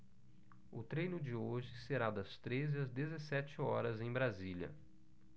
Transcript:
o treino de hoje será das treze às dezessete horas em brasília